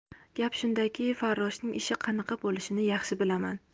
gap shundaki farroshning ishi qanaqa bo'lishini yaxshi bilaman